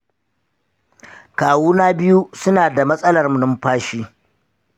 kawuna biyu suna da matsalar numfashi.